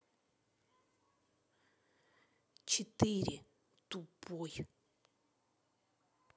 четыре тупой